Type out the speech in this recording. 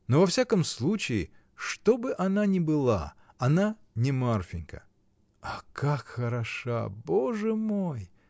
Но во всяком случае, что бы она ни была, она — не Марфинька. А как хороша, Боже мой!